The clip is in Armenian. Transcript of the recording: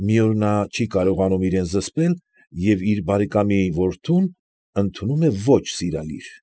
Մի օր նա չի կարողանում իրեն զսպել և իր բարեկամի որդուն ընդունում է ոչ սիրալիր։